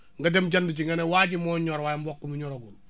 nga dem jëndi ji nga ne waa ji moo ñor waaye mboq mi ñoragul